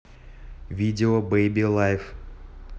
видео беби лайф